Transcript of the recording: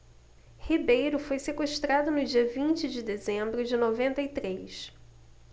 ribeiro foi sequestrado no dia vinte de dezembro de noventa e três